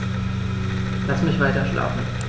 Lass mich weiterschlafen.